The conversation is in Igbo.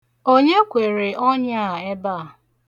Onye kwere ọnya a ebe a?